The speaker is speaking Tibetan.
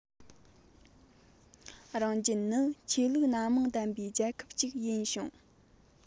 རང རྒྱལ ནི ཆོས ལུགས སྣ མང ལྡན པའི རྒྱལ ཁབ ཅིག ཡིན ཞིང